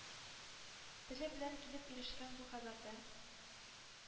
Теле белән килеп ирешкән бу хәбәрдән